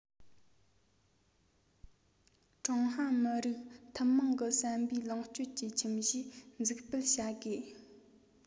ཀྲུང ཧྭ མི རིགས ཐུན མོང གི བསམ པའི ལོངས སྤྱོད ཀྱི ཁྱིམ གཞིས འཛུགས སྤེལ བྱ དགོས